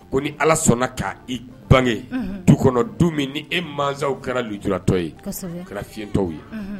Ko ni ala sɔnna k' i bange dukɔnɔ du min ni e mansaw kɛra ulatɔ ye kɛra fiɲɛtɔ ye